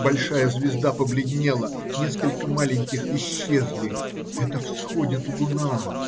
Большая звезда побледнела, несколько маленьких исчезли. Это всходит луна.